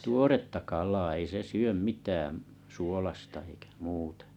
tuoretta kalaa ei se syö mitään suolaista eikä muuta